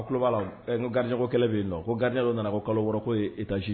Garijɛ kɛlen bɛ yen ko garidi dɔ nana ko kalo wɔɔrɔ taa